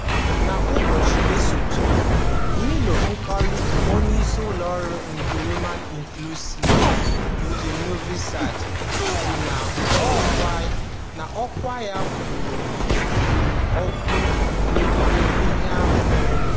N'ụbọchị esote, Miloš Nikolić, Onyeisi Ụlọọrụ nke Roma Inclusion nke Novi Sad, si n'ọkwa ya kwuo okwu megide ihe ahụ merenụ.